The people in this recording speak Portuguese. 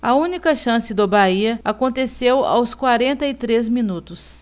a única chance do bahia aconteceu aos quarenta e três minutos